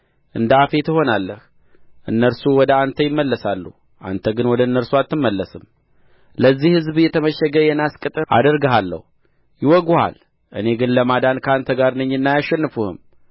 እንደ አፌ ትሆናለህ እነርሱ ወደ አንተ ይመለሳሉ አንተ ግን ወደ እነርሱ አትመለስም ለዚህም ሕዝብ የተመሸገ የናስ ቅጥር አደርግሃለሁ ይዋጉሃል እኔ ግን ለማዳን ከአንተ ጋር ነኝና አያሸንፉህም